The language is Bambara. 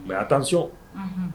Mais attention . Unhun.